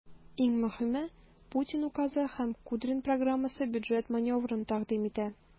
Иң мөһиме, Путин указы һәм Кудрин программасы бюджет маневрын тәкъдим итә.